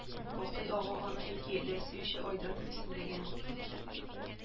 Бакый ага аны Әкиятләр сөюче Айдар дип исемләгән